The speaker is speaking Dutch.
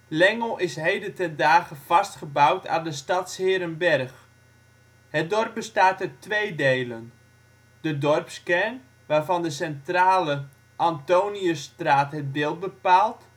Lengel is heden ten dage vastgebouwd aan de stad ' s-Heerenberg. Het dorp bestaat uit twee delen: de dorpskern, waarvan de centrale Antoniusstraat het beeld bepaalt